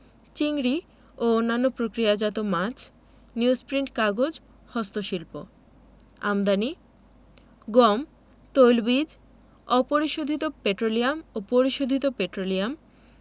চিংড়ি ও অন্যান্য প্রক্রিয়াজাত মাছ নিউজপ্রিন্ট কাগজ হস্তশিল্প আমদানিঃ গম তৈলবীজ অপরিশোধিত পেট্রোলিয়াম ও পরিশোধিত পেট্রোলিয়াম